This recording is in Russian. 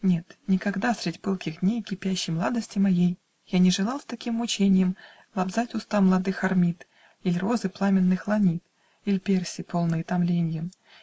Нет, никогда средь пылких дней Кипящей младости моей Я не желал с таким мученьем Лобзать уста младых Армид, Иль розы пламенных ланит, Иль перси, полные томленьем